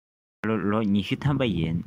ང ད ལོ ལོ ཉི ཤུ ཐམ པ རེད